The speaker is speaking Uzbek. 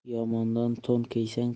yomondan to'n kiysang